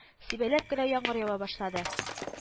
Сибәләп кенә яңгыр ява башлады